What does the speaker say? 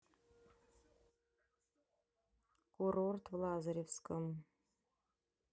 курорт в лазаревском